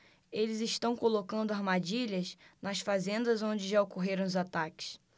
eles estão colocando armadilhas nas fazendas onde já ocorreram os ataques